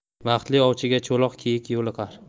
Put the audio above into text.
baxtli ovchiga cho'loq kiyik yo'liqar